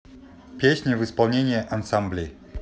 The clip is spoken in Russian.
песни в исполнении ансамблей